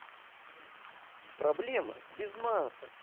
проблема без мата